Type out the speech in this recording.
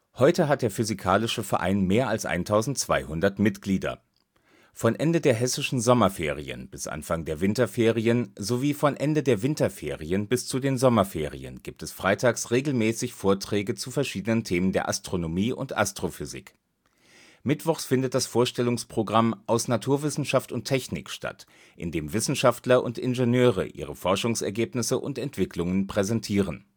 Heute hat der Physikalische Verein mehr als 1.200 Mitglieder. Von Ende der hessischen Sommerferien bis Anfang der Winterferien sowie von Ende der Winterferien bis zu den Sommerferien gibt es freitags regelmäßig Vorträge zu verschiedenen Themen der Astronomie und Astrophysik. Mittwochs findet das Vorstellungsprogramm Aus Naturwissenschaft und Technik statt, in dem Wissenschaftler und Ingenieure ihre Forschungsergebnisse und Entwicklungen präsentieren